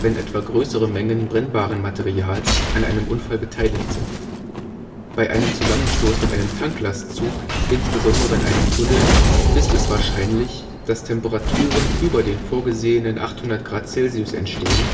wenn etwa größere Mengen brennbaren Materials an einem Unfall beteiligt sind. Bei einem Zusammenstoß mit einem Tanklastzug, insbesondere in einem Tunnel, ist es wahrscheinlich, dass Temperaturen über den vorgesehenen 800 °C entstehen